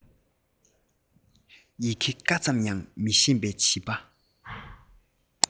ཡི གེ ཀ ཙམ ཡང མི ཤེས པའི བྱིས པ